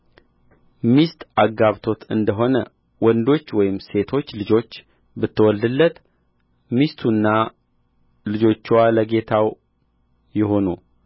ሚስት አጋብቶት እንደ ሆነ ወንዶች ወይም ሴቶች ልጆች ብትወልድለት ሚስቱና ልጆችዋ ለጌታው ይሁኑ